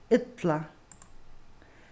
illa